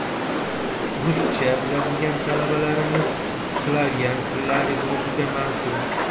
ruscha biladigan talabalarimiz slavyan tillari guruhiga mansub